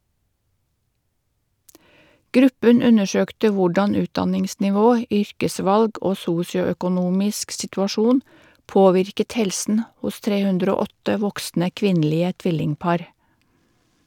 Gruppen undersøkte hvordan utdanningsnivå, yrkesvalg og sosioøkonomisk situasjon påvirket helsen hos 308 voksne kvinnelige tvillingpar.